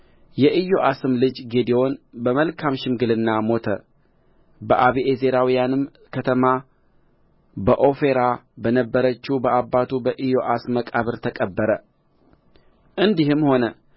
የኢዮአስም ልጅ ጌዴዎን በመልካም ሽምግልና ሞተ በአቢዔዝራውያንም ከተማ በዖፍራ በነበረችው በአባቱ በኢዮአስ መቃብር ተቀበረ እንዲህም ሆነ